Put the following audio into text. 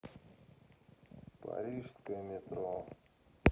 парижское метро